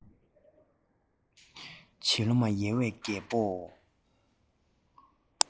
བྱིས བློ མ ཡལ བའི རྒད པོ